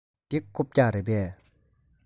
འདི རྐུབ བཀྱག རེད པས